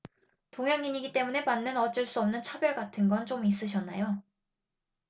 동양인이기 때문에 받는 어쩔 수 없는 차별 같은 건 좀 있으셨나요